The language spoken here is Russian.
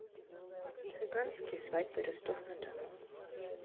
цыганские свадьбы ростов на дону